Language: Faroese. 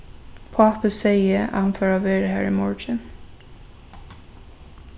pápi segði at hann fór at vera har í morgin